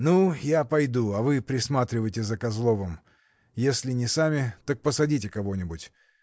Ну, я пойду, а вы присматривайте за Козловым, — если не сами, так посадите кого-нибудь.